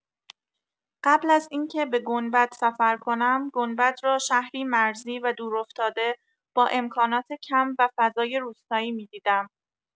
قبل از اینکه به گنبد سفر کنم، گنبد را شهری مرزی و دورافتاده، با امکانات کم و فضای روستایی می‌دیدم.